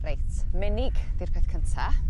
Reit menig di'r peth cynta